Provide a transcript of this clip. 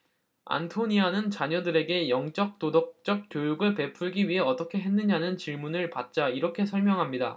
안토니아는 자녀들에게 영적 도덕적 교육을 베풀기 위해 어떻게 했느냐는 질문을 받자 이렇게 설명합니다